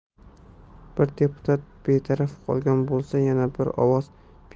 bir deputat betaraf qolgan bo'lsa